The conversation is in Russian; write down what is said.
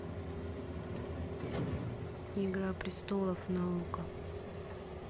игра престолов на окко